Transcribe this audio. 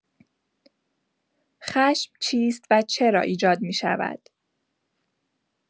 خشم چیست و چرا ایجاد می‌شود؟